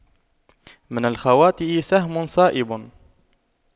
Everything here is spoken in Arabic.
من الخواطئ سهم صائب